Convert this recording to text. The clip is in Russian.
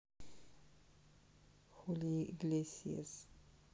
хули иглесиас